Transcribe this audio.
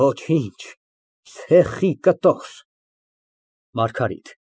Ոչինչ, ցեխի կտոր։ ՄԱՐԳԱՐԻՏ ֊